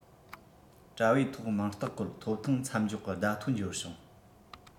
དྲ བའི ཐོག མིང རྟགས བཀོད ཐོབ ཐང མཚམས འཇོག གི བརྡ ཐོ འབྱོར བྱུང